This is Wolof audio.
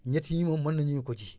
ñett yii moom mën nañu ko ji